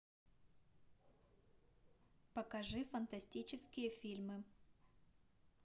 покажи фантастические фильмы